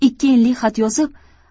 ikki enlik xat yozib